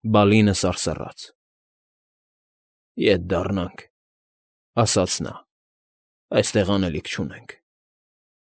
Բալինը սարսռեց. ֊ Ետ դառնանք,֊ ասաց նա։֊ Այստեղ անելիք չունենք։